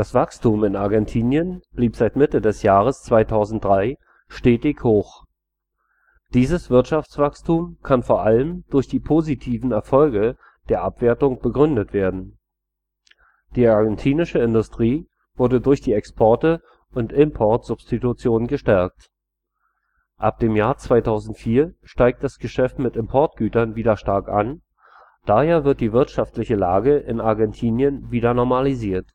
Wachstum in Argentinien blieb seit Mitte des Jahres 2003 stetig hoch. Dieses Wirtschaftswachstum kann vor allem durch die positiven Erfolge der Abwertung begründet werden. Die argentinische Industrie wurde durch die Exporte und Importsubstitution gestärkt. Ab dem Jahr 2004 steigt das Geschäft mit Importgütern wieder stark an, daher wird die wirtschaftliche Lage in Argentinien wieder normalisiert